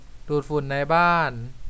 ดูดฝุ่นในบ้าน